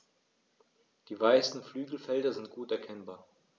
Die weißen Flügelfelder sind gut erkennbar.